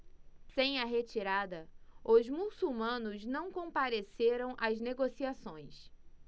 sem a retirada os muçulmanos não compareceram às negociações